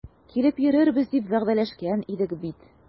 Килеп йөрербез дип вәгъдәләшкән идек бит.